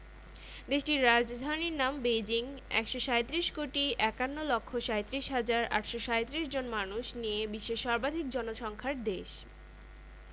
দেশটির রাজধানীর নাম বেইজিং ১৩৭ কোটি ৫১ লক্ষ ৩৭ হাজার ৮৩৭ জন মানুষ নিয়ে বিশ্বের সর্বাধিক জনসংখ্যার দেশ